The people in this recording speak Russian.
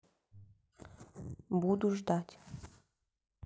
буду ждать